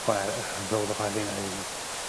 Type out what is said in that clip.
chwae- yy yy brawd a chwaer 'di'n nheulu.